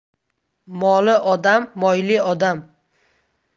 molli odam moyli odam